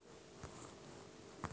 мультики для детей двух лет